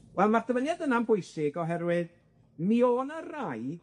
Wel ma'r dyfyniad yna'n bwysig oherwydd mi o' 'na rai